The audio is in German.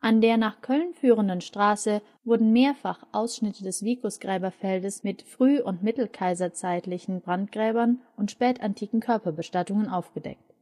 An der nach Köln führenden Straße wurden mehrfach Ausschnitte des Vicusgräberfeldes mit früh - mittelkaiserzeitlichen Brandgräbern und spätantiken Körperbestattungen aufgedeckt